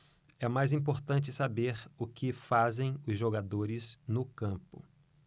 é mais importante saber o que fazem os jogadores no campo